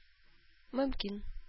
Мөмкин